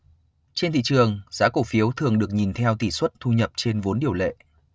trên thị trường giá cổ phiếu thường được nhìn theo tỉ suất thu nhập trên vốn điều lệ